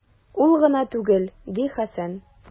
Ул гына түгел, - ди Хәсән.